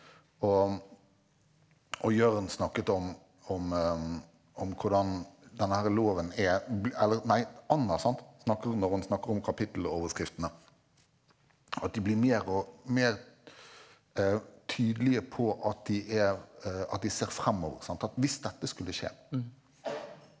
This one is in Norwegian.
og og Jørn snakket om om om hvordan den her loven er eller nei Anna sant snakker når hun snakker om kapitteloverskriftene at de blir mer og mer tydelige på at de er at de ser framover sant at hvis dette skulle skje.